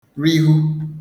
rihu